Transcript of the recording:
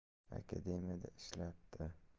akademiyada ishlabdi